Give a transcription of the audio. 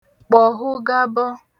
kpọ̀hụgabọ